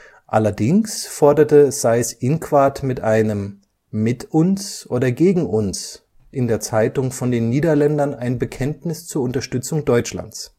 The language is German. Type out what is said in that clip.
Allerdings forderte Seyß-Inquart mit einem „ Mit uns oder gegen uns! “in der Zeitung von den Niederländern ein Bekenntnis zur Unterstützung Deutschlands